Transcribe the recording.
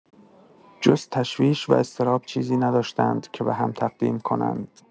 جز تشویش و اضطراب چیزی نداشتند که به‌هم تقدیم کنند.